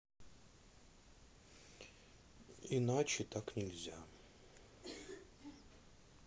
иначе никак нельзя